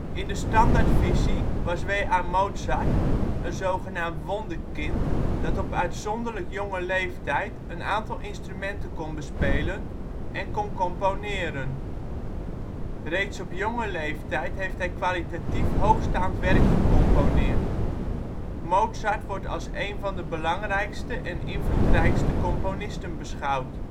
In de standaardvisie was W.A. Mozart een zogenaamd wonderkind dat op uitzonderlijk jonge leeftijd een aantal instrumenten kon bespelen en kon componeren. Reeds op jonge leeftijd heeft hij kwalitatief hoogstaand werk gecomponeerd. Mozart wordt als een van de belangrijkste en invloedrijkste componisten beschouwd